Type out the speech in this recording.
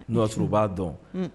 Ɲɔso b'a dɔn